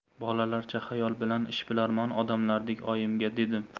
bolalarcha xayol bilan ishbilarmon odamlardek oyimga dedim